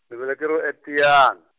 ni velekeriwe e Tiyani.